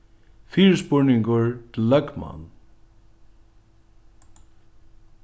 fyrispurningur til løgmann